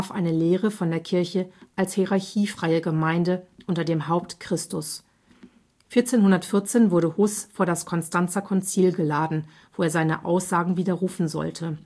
eine Lehre von der Kirche als hierarchiefreie Gemeinde unter dem Haupt Christus. 1414 wurde Hus vor das Konstanzer Konzil geladen, wo er seine Aussagen widerrufen sollte